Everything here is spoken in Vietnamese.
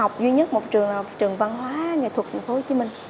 học duy nhất một trường học trần văn hóa nghệ thuật thành phố hồ chí minh